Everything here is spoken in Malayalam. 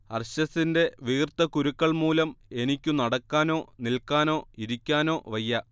അർശസിന്റെ വീർത്ത കുരുക്കൾ മൂലം എനിക്കു നടക്കാനോ നിൽക്കാനോ ഇരിക്കാനോ വയ്യ